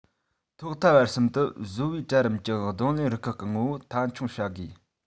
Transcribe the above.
ཐོག མཐའ བར གསུམ དུ བཟོ པའི གྲལ རིམ གྱི གདོང ལེན རུ ཁག གི ངོ བོ མཐའ འཁྱོངས བྱ དགོས